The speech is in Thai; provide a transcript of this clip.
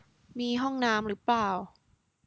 มีห้องน้ำหรือเปล่า